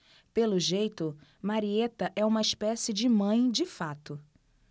pelo jeito marieta é uma espécie de mãe de fato